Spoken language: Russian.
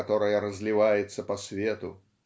которое разливается по свету.